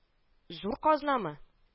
— зур казнамы